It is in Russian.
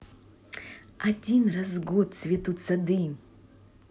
один раз в год цветут сады